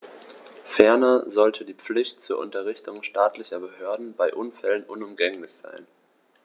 Ferner sollte die Pflicht zur Unterrichtung staatlicher Behörden bei Unfällen unumgänglich sein.